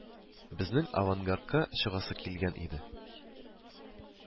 Безнең Авангардка чыгасы килгән иде